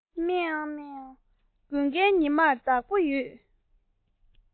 མཱེ མཱེ དགུན ཁའི ཉི མར བདག པོ ཡོད མཱེ མཱེ